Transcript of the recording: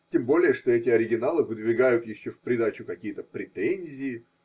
Тем более, что эти оригиналы выдвигают еще в придачу какие-то претензии.